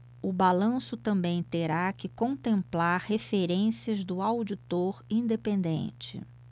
o balanço também terá que contemplar referências do auditor independente